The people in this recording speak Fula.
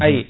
ayi